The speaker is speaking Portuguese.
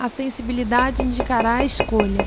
a sensibilidade indicará a escolha